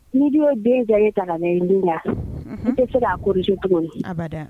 Ni'' ye den ye taga min na tɛ se k'a kurusi tuguni